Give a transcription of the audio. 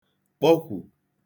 kpọkwù